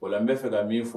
O la n bɛ fɛ ka min fɔ